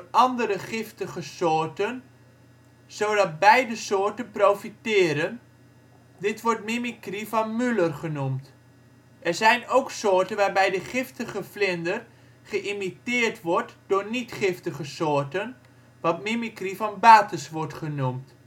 andere giftige soorten zodat beide soorten profiteren, dit wordt mimicry van Müller genoemd. Er zijn ook soorten waarbij de giftige vlinder geïmiteerd wordt door niet-giftige soorten, wat mimicry van Bates wordt genoemd